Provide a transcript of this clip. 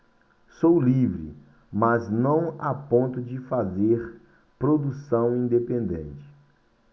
sou livre mas não a ponto de fazer produção independente